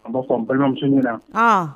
An b'a fɔ n balimamuso ɲini na